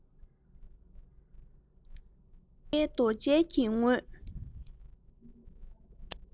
པ ཊའི རྡོ གཅལ གྱི ངོས